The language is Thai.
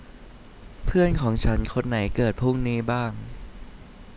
เพื่อนของฉันคนไหนเกิดพรุ่งนี้บ้าง